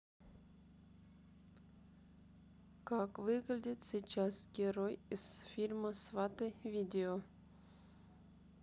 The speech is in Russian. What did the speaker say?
как выглядит сейчас герой из фильма сваты видео